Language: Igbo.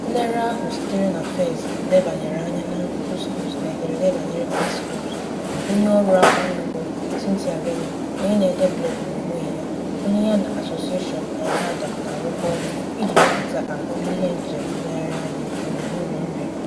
Nlere ahụ sitere na Fez lebanyere anya na nri couscous n'ederede banyere Peace Corps onyeọrụ akwụghị ụgwọ Cynthia Berning (onye na-ede blọọgụ n'onwe ya), onye ya na Association ENNAHDA na-arụkọ ọrụ iji mepụta ahụmihe njem nlegharịanya gburugburu nri.